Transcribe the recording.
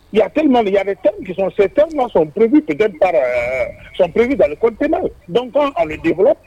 Il y a tellement il y a des thèmes qui sont ces thèmes qui sont prévus peut être par, sont prévus dans le code pénal, donc quand on le